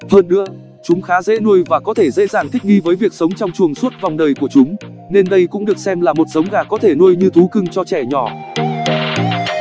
hơn nữa chúng khá dễ nuôi và có thể dễ dàng thích nghi với việc sống trong chuồng suốt vòng đời của chúng nên đây cũng được xem là một giống gà có thể nuôi như thú cưng cho trẻ nhỏ